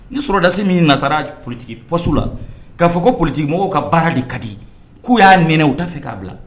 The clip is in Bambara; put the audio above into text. Ni sɔrɔdasi min na taara politigiɔso la k'a fɔ ko politigi mɔgɔw ka baara de ka di k'u y'a ninɛ u t'a fɛ k'a bila